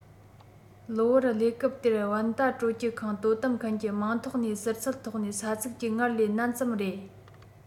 ལོ བར ལས སྐབས དེར དབན ཏ སྤྲོ སྐྱིད ཁང དོ དམ མཁན གྱི མིང ཐོག ནས ཟུར ཚད ཐོག ནས ས ཚིགས ཀྱི སྔར ལས ནན ཙམ རེད